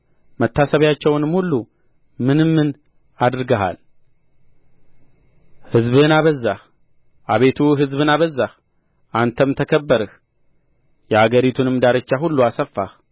መታሰቢያቸውንም ሁሉ ምንምን አድርገሃል ሕዝብን አበዛህ አቤቱ ሕዝብን አበዛህ አንተም ተከበርህ የአገሪቱንም ዳርቻ ሁሉ አሰፋህ